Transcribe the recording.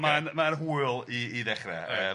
Ma'n ma'n hwyl i i ddechra'... Ia